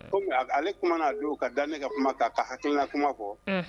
Kɔmi ale kuma a don ka da ne ka kuma kan k'a hakilina kuma fɔ